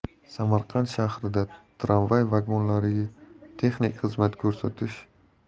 samarqand shahrida tramvay vagonlariga texnik xizmat